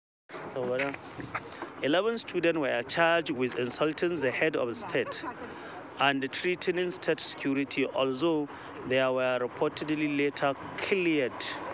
Eleven students were charged with "insulting the head of state" and "threatening state security", although they were reportedly later cleared.